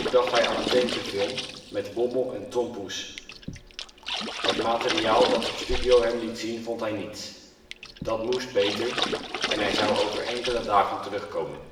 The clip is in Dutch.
dacht hij aan een tekenfilm met Bommel en Tom Poes. Het materiaal dat de studio hem liet zien vond hij niets. Dat moest beter en hij zou over enkele dagen terugkomen